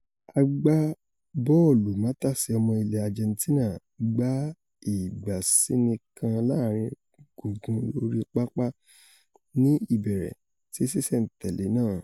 Agbábọ́ọ̀lùmátàṣé ọmọ ilẹ̀ Ajẹntína gba ìgbásíni kan láàrin gungun orí pápá ní ìbẹ̀rẹ̀ ti ṣíṣẹ̀-n-tẹ̀lé náà.